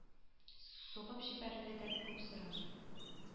Сугып җибәрергә дә күп сорамый